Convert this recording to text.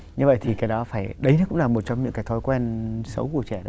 như vậy thì cái đó phải đấy cũng là một trong những cái thói quen xấu của trẻ